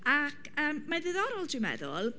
Ac yym mae'n ddiddorol, 'dw i'n meddwl.